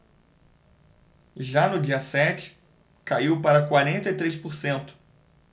já no dia sete caiu para quarenta e três por cento